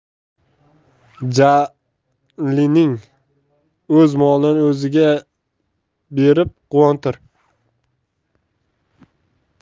jarlining o'z molini o'ziga berib quvontir